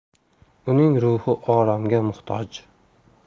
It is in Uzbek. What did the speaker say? uning ruhi oromga muhtoj